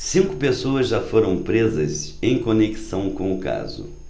cinco pessoas já foram presas em conexão com o caso